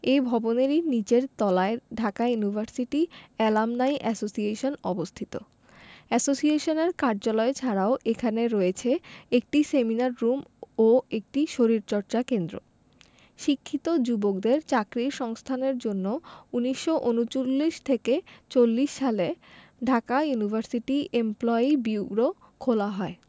এ ভবনেরই নিচের তলায় ঢাকা ইউনিভার্সিটি এলামনাই এসোসিয়েশন অবস্থিত এসোসিয়েশনের কার্যালয় ছাড়াও এখানে রয়েছে একটি সেমিনার রুম ও একটি শরীরচর্চা কেন্দ্র শিক্ষিত যুবকদের চাকরির সংস্থানের জন্য ১৯৩৯ ৪০ সালে ঢাকা ইউনিভার্সিটি ইমপ্লয়ি বিউরো খোলা হয়